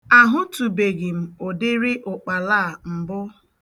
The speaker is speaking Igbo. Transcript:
Ahụtụbeghị m ụdịrị ụkpala a mbụ.